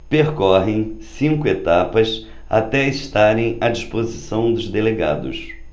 percorrem cinco etapas até estarem à disposição dos delegados